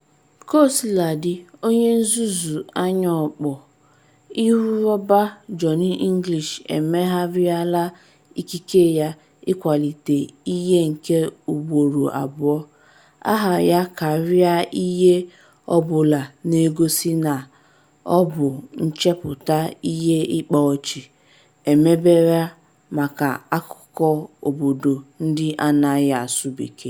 Kosiladị, onye nzuzu anya ọkpụ, ihu rọba Johnny English emegharịala ikike ya ịkwalite ihe nke ugboro abụọ - aha ya karịa ihe ọ bụla na-egosi na ọ bụ nchepụta ihe ịkpa ọchị emebere maka akụkụ obodo ndị anaghị asụ Bekee.